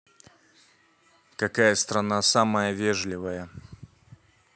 какая страна самая вежливая